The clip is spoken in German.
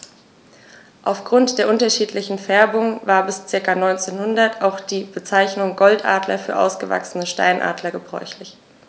Auf Grund der unterschiedlichen Färbung war bis ca. 1900 auch die Bezeichnung Goldadler für ausgewachsene Steinadler gebräuchlich.